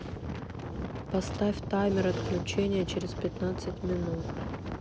поставь таймер отключения через пятнадцать минут